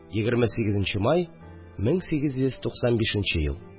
28 нче май, 1895 ел